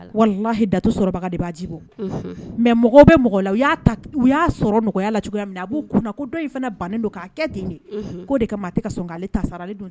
Wala lahi dato sɔrɔbaga b ji mɛ mɔgɔ bɛ mɔgɔ la u y'a sɔrɔ mɔgɔya la cogoya min na a b'u kun ko dɔ in fana bannen don k'a kɛ ten de o de ka tɛ ka sɔn k'ale ta sara ale don